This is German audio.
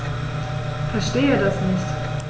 Verstehe das nicht.